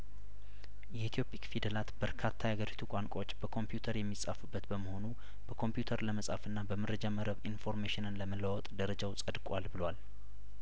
የኢትዮ ፒክ ፊደላት በርካታ ያገሪቱ ቋንቋዎች በኮምፒውተር የሚጻፉበት በመሆኑ በኮምፒውተር ለመጻፍና በመረጃ መረብ ኢንፎርሜሽንን ለመለዋወጥ ደረጃው ጸድቋል ብሏል